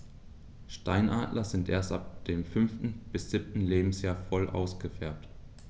Steinadler sind erst ab dem 5. bis 7. Lebensjahr voll ausgefärbt.